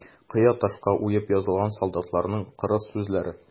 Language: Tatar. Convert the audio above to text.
Кыя ташка уеп язылган солдатларның кырыс сүзләре.